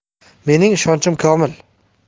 mening ishonchim komil